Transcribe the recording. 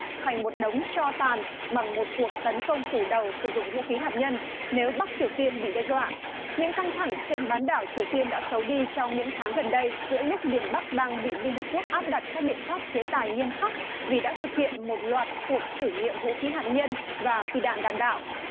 thành một đống tro tàn bằng một cuộc tấn công phủ đầu sử dụng vũ khí hạt nhân nếu bắc triều tiên bị đe dọa những căng thẳng trên bán đảo triều tiên đã xấu đi trong những tháng gần đây giữa lúc miền bắc đang bị liên hợp quốc áp đặt các biện pháp chế tài nghiêm khắc vì đã thực hiện một loạt cuộc thử nghiệm vũ khí hạt nhân và phi đạn đạn đạo